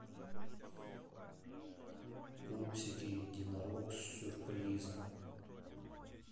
пупсики единорог с сюрпризом